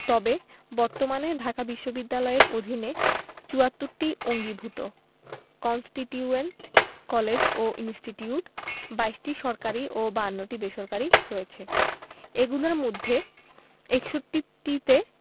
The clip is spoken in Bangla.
তবে বর্তমানে ঢাকা বিশ্ববিদ্যালয়ের অধীনে ৭৪টি অঙ্গীভুত কন্সটিটিউয়েন্ট কলেজ ও ইনস্টিটিউট ২২টি সরকারি ও ৫২টি বেসরকারি রয়েছে এগুলোর মধ্যে ৬১টিতে